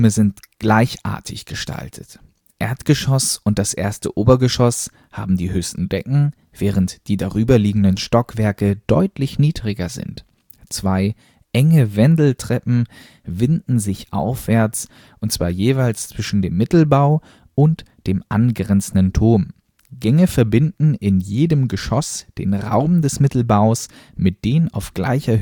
sind gleichartig gestaltet. Erdgeschoss und das erste Obergeschoss haben die höchsten Decken, während die darüber liegenden Stockwerke deutlich niedriger sind. Zwei enge Wendeltreppen winden sich aufwärts, und zwar jeweils zwischen dem Mittelbau und dem angrenzenden Turm. Gänge verbinden in jedem Geschoss den Raum des Mittelbaus mit den auf gleicher